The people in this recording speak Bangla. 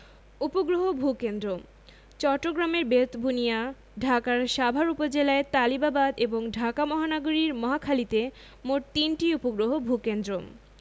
উপগ্রহ ভূ কেন্দ্রঃ চট্টগ্রামের বেতবুনিয়া ঢাকার সাভার উপজেলায় তালিবাবাদ এবং ঢাকা মহানগরীর মহাখালীতে মোট তিনটি উপগ্রহ ভূ কেন্দ্র